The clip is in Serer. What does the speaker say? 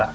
wala